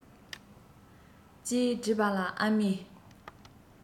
ཅེས དྲིས པ ལ ཨ མས